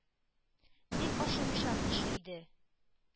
Бик ашыгучан кеше иде.